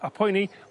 a poeni